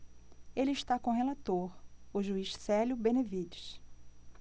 ele está com o relator o juiz célio benevides